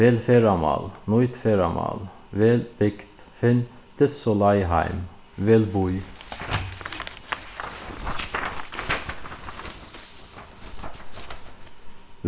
vel ferðamál nýt ferðamál vel bygd finn stytstu leið heim vel bý